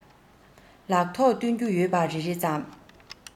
ལག ཐོག སྟོན རྒྱུ ཡོད པ རེ རེ ཙམ